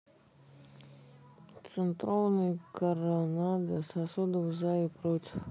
центрованные коронадо сосудов за и против